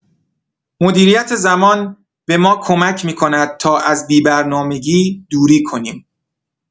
مدیریت زمان به ما کمک می‌کند تا از بی‌برنامگی دوری کنیم.